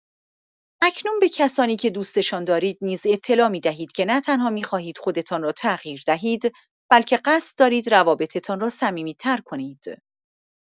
اکنون به کسانی که دوستشان دارید نیز اطلاع می‌دهید که نه‌تنها می‌خواهید خودتان را تغییر دهید، بلکه قصد دارید روابطتان را صمیمی‌تر کنید.